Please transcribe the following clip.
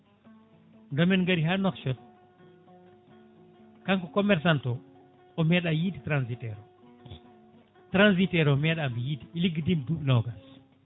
ndemin gaari he Nouakchott kanko commerçante o o meeɗa yiide transitaire o transitaire o meeɗamo yiide ɓe liggodima duuɓi nogas